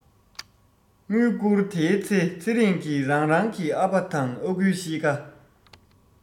དངུལ བསྐུར དེའི ཚེ ཚེ རིང གི རང རང གི ཨ ཕ དང ཨ ཁུའི གཤིས ཀ